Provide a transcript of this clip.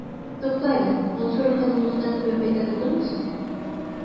Тукта әле, Мансуров аның үзенә төбәп әйтә түгелме соң? ..